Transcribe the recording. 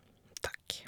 Takk.